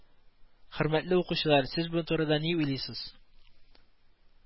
Хөрмәтле укучылар, сез бу турыда ни уйлыйсыз